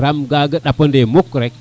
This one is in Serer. ram gaga ndapa nde mukk rek